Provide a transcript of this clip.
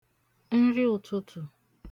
nri ụ̄tụ̄tụ̄